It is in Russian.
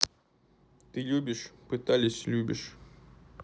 ты любишь пытались любишь